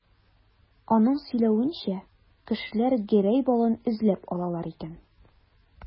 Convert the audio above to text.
Аның сөйләвенчә, кешеләр Гәрәй балын эзләп алалар икән.